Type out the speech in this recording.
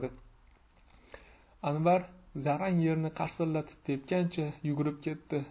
anvar zarang yerni qarsillatib tepgancha yugurib ketdi